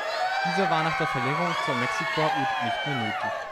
Dieser war nach der Verlängerung zur Mexikói út nicht mehr nötig